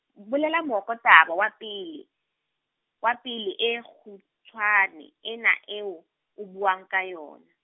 bolela mokotaba wa pele, wa pele e kgutshwane, ena eo o buang ka yona.